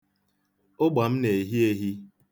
Ụgba m na-ehi ehi.